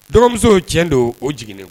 Dɔgɔmusow tiɲɛ don o jiginna